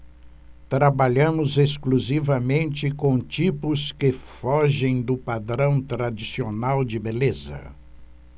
trabalhamos exclusivamente com tipos que fogem do padrão tradicional de beleza